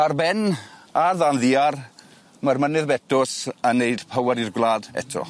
Ar ben a ddan ddiar ma'r mynydd Betws yn neud power i'r gwlad eto.